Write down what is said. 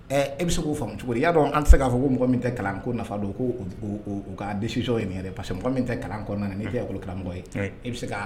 E bɛ se k' faama cogo y'a dɔn an tɛ se k'a fɔ ko mɔgɔ min tɛ kalanko nafa dɔn ko' disisoo in min yɛrɛ parce que min tɛ kalan ko na' tɛ kalankɔ ye bɛ